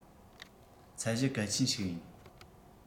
ཚད གཞི གལ ཆེན ཞིག ཡིན